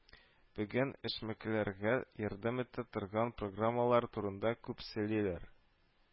Бүген эшмәкәрләргә ярдәм итә торган программалар турында күп сөйлиләр